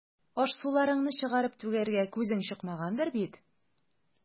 Аш-суларыңны чыгарып түгәргә күзең чыкмагандыр бит.